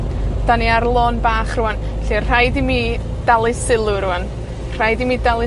'Dan ni ar lôn bach rŵan, 'lly rhaid i mi dalu sylw rŵan. Rhaid i mi dalu